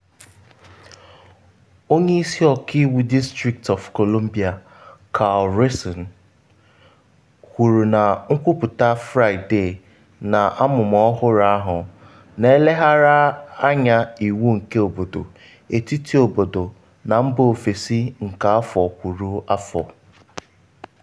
Onye Isi Ọka Iwu District of Columbia Karl Racine kwuru na nkwuputa Fraịde na amụma ọhụrụ ahụ “n’eleghara anya iwu nke obodo, etiti obodo na mba ofesi nke afọ kwụrụ afọ.”